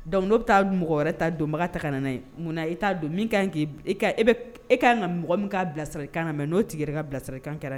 Dɔnc n'o be taa nu mɔgɔ wɛrɛ ta donbaga ta kana n'a ye munna i t'a don min kan k'i b e kaa e be p e kaan ka mɔgɔ min ka bilasirali kan namɛ n'o tigi yɛrɛ ka bilasiralikan kɛra